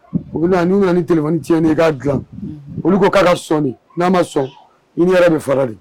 U na n'u nana ni t tiɲɛninin i'a dila olu ko'a ka sɔɔni n'a ma sɔn i yɛrɛ bɛ farali